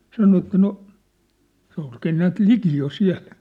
sanoi että no se olikin näet liki jo siellä